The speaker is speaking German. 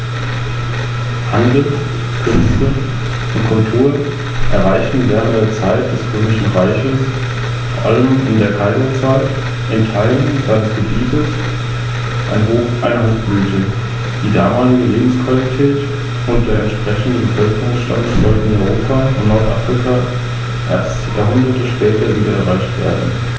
Stacheligel können sich im Bedrohungsfall zu einer Kugel zusammenrollen.